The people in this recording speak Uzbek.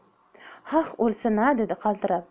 xah o'lsin a dedi qaltirab